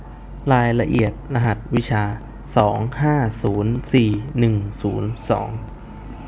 รายละเอียดรหัสวิชาสองห้าศูนย์สี่หนึ่งศูนย์สอง